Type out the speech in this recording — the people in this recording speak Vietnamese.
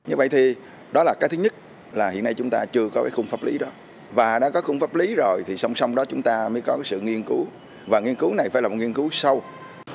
như vậy thì đó là cái thứ nhất là hiện nay chúng ta chưa có khung pháp lý đó và đã có khung pháp lý rồi thì song song đó chúng ta mới có sự nghiên cứu và nghiên cứu này phải lập nghiên cứu sâu